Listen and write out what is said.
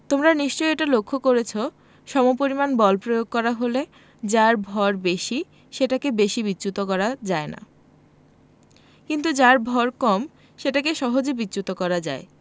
তোমরা নিশ্চয়ই এটা লক্ষ করেছ সমান পরিমাণ বল প্রয়োগ করা হলে যার ভর বেশি সেটাকে বেশি বিচ্যুত করা যায় না কিন্তু যার ভয় কম সেটাকে সহজে বিচ্যুত করা যায়